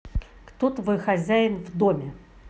кто твой хозяин в доме